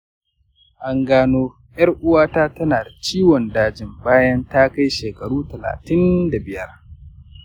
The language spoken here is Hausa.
an gano ƴar-uwata ta na da ciwon dajin bayan ta kai shekaru talatin da biyar